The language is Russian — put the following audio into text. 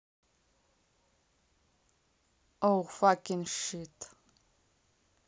oh fucking shit